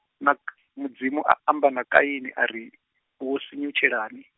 mak- Mudzimu a amba na Kaini ari, wo sunyutshelani?